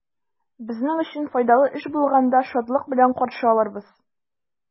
Безнең өчен файдалы эш булганда, шатлык белән каршы алырбыз.